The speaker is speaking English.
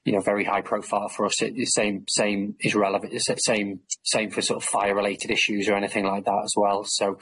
you know very high profile for us. It the same same is relevant- it's the same same for sor' of fire related issues or anything like that as well, so.